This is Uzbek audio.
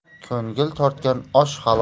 ko'ngil tortgan osh halol